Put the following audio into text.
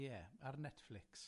Ie, ar Netflix.